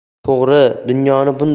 to'g'ri dunyoni bunday